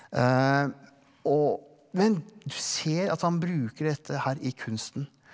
og men du ser at han bruker dette her i kunsten.